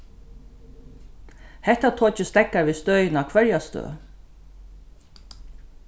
hetta tokið steðgar við støðina hvørja støð